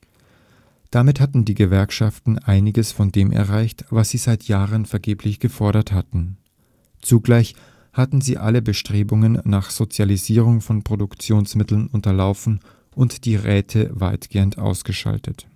Damit hatten die Gewerkschaften einiges von dem erreicht, was sie seit Jahren vergeblich gefordert hatten. Zugleich hatten sie alle Bestrebungen nach Sozialisierung von Produktionsmitteln unterlaufen und die Räte weitgehend ausgeschaltet